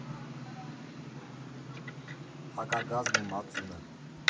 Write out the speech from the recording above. Հակագազն ու մածունը։